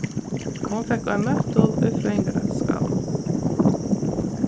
hon fekk ein møttul í føðingardagsgávu